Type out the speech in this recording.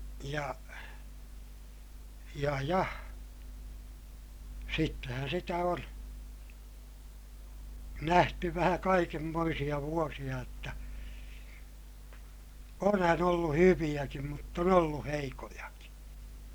ja ja ja sittenhän sitä on nähty vähän kaikenmoisia vuosia jotta onhan ollut hyviäkin mutta on ollut heikkojakin